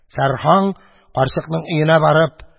Сәрһаң, карчыкның өенә барып